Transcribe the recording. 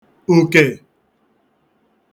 ùkè